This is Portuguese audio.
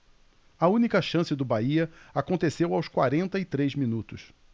a única chance do bahia aconteceu aos quarenta e três minutos